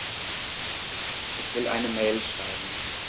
Ich will eine Mail schreiben.